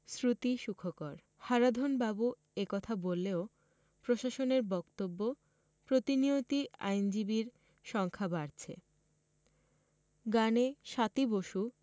শ্রুতিসুখকর হারাধনবাবু এ কথা বললেও প্রশাসনের বক্তব্য প্রতিনিয়তি আইনজীবীর সংখ্যা বাড়ছে গানে স্বাতী বসু